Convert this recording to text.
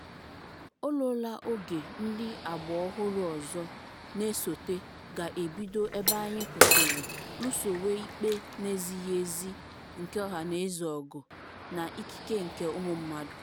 O ruola oge ndị agbaọhụrụ ọzọ na-esote ga-ebido ebe anyị kwụsịrị lụsowe ikpe na-ezighị ezi nke ọhanaeze ọgụ na ikike nke ụmụ mmadụ.